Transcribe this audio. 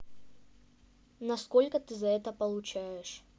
на сколько ты за это получаешь